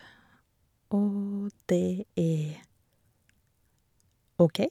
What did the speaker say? Og det er OK.